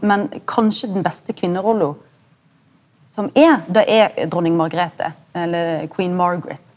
men kanskje den beste kvinnerolla som er det er dronning Margrethe eller Margaret.